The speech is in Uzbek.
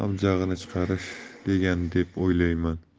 abjag'ini chiqarish degani deb o'ylayman